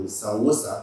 San o san